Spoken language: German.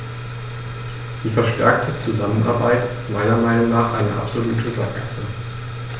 Die verstärkte Zusammenarbeit ist meiner Meinung nach eine absolute Sackgasse.